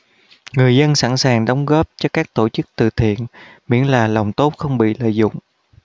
người dân sẵn sàng đóng góp cho các tổ chức từ thiện miễn là lòng tốt không bị lợi dụng